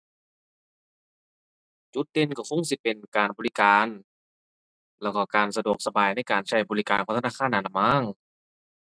จุดเด่นก็คงสิเป็นการบริการ แล้วก็การสะดวกสบายในการใช้บริการของธนาคารนั้นล่ะมั้ง